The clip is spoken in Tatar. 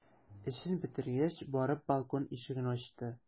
Эшен бетергәч, барып балкон ишеген ачты.